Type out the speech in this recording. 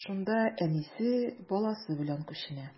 Шунда әнисе, баласы белән күченә.